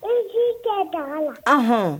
Iji tɛ taa lahɔn